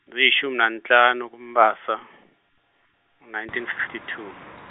ziyishumi nanhlanu kuMbasa, nineteen firty two.